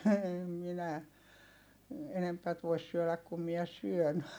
en minä enempää voi syödä kuin minä syön